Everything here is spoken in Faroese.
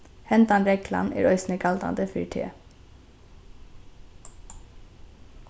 hendan reglan er eisini galdandi fyri teg